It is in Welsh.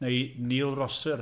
Neu Neil Rosser.